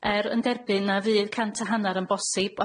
Er yn derbyn na fydd cant a hannar yn bosib